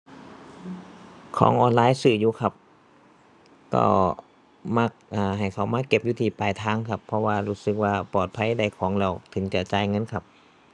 ของออนไลน์ซื้ออยู่ครับ ก็มัก อ่า ให้เขามาเก็บอยู่ที่ปลายทางครับ เพราะว่ารู้สึกว่าปลอดภัยได้ของแล้วถึงจะจ่ายเงินครับ